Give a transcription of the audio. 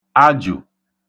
ajù